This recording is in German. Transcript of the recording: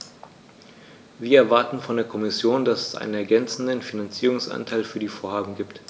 Wir erwarten von der Kommission, dass es einen ergänzenden Finanzierungsanteil für die Vorhaben gibt.